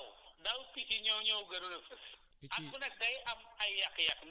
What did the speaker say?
année bi paase surtout daaw daaw picc yi ñoo ñoo gënoon a fës